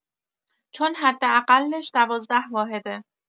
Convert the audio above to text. چون حداقلش ۱۲ واحده